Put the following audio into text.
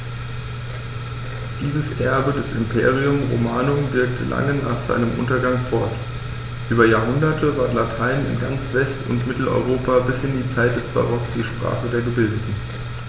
Dieses Erbe des Imperium Romanum wirkte lange nach seinem Untergang fort: Über Jahrhunderte war Latein in ganz West- und Mitteleuropa bis in die Zeit des Barock die Sprache der Gebildeten.